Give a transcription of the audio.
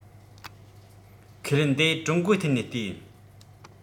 ཁས ལེན དེ ཀྲུང གོའི ཐད ནས བལྟས